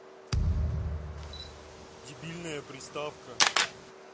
дебильная приставка